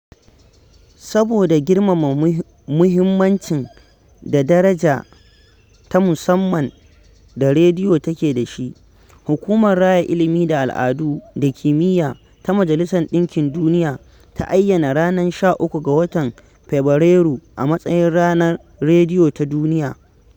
Hukumar Raya Ilimi da Al'adu da Kimiyya Ta Majalisar ɗinkin Duniya ta ware wannan ranar ne domin ta nuna ƙarfin da radiyo take da shi, wadda ta fi komai sauƙin siya kuma hanya mafi sauƙi ta sadarwa.